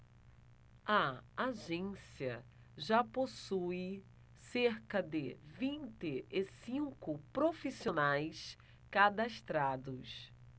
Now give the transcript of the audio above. a agência já possui cerca de vinte e cinco profissionais cadastrados